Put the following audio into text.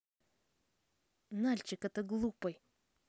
нальчик это глупый